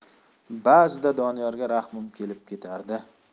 ba'zida doniyorga rahmim kelib ketardi